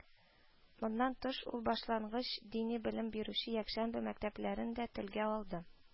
Моннан тыш, ул башлангыч дини белем бирүче якшәмбе мәктәпләрен дә телгә алды